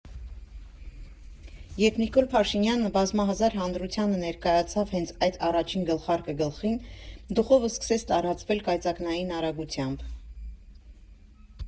Երբ Նիկոլ Փաշինյանը բազմահազար հանրությանը ներկայացավ հենց այդ առաջին գլխարկը գլխին, «Դուխովը» սկսեց տարածվել կայծակնային արագությամբ։